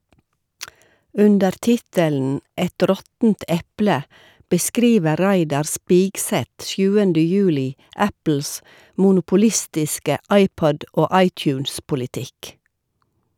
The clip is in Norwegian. Under tittelen "Et råttent eple" beskriver Reidar Spigseth 7. juli Apples monopolistiske iPod- og iTunes-politikk.